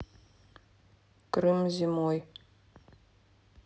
крым зимой